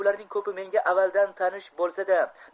bularning ko'pi menga avvaldan tanish bo'lsa da